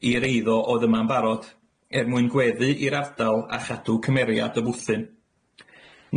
i'r eiddo o'dd yma'n barod er mwyn gweddu i'r ardal a chadw cymeriad y bwthyn.